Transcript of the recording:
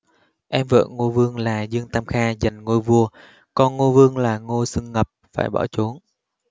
em vợ ngô vương là dương tam kha giành ngôi vua con ngô vương là ngô xương ngập phải bỏ trốn